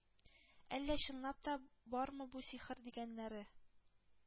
«әллә чынлап та бармы бу сихер дигәннәре?